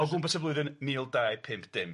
O gwmpas y flwyddyn, mil dau pump dim.